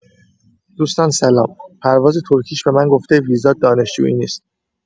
دوستان سلام پرواز ترکیش به من گفته ویزات دانشجویی نیست.